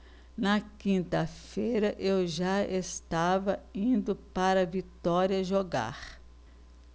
na quinta-feira eu já estava indo para vitória jogar